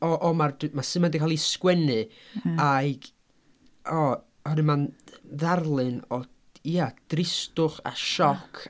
O o mae'r d- ma' sut ma' 'di cael ei sgwennu... ie ... a'i g- o oherwydd mae'n d- ddarlun o ia dristwch a sioc.